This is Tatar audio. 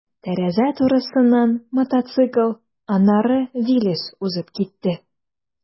Тәрәзә турысыннан мотоцикл, аннары «Виллис» узып китте.